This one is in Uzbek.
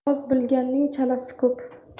oz bilganning chalasi ko'p